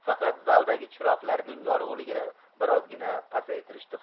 faqat zaldagi chiroqlarning yorug'ligini bir ozgina pasaytirishdi